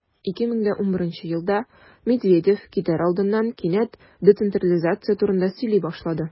2011 елда медведев китәр алдыннан кинәт децентрализация турында сөйли башлады.